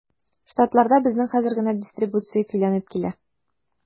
Штатларда безнең хәзер генә дистрибуция көйләнеп килә.